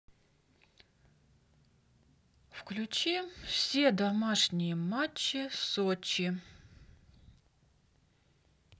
включи все домашние матчи сочи